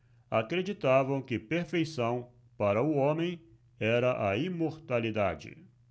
acreditavam que perfeição para o homem era a imortalidade